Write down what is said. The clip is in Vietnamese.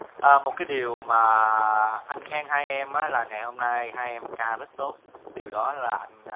à một cái điều mà anh khen hai em á là ngày hôm nay hai em ca rất tốt điều đó là anh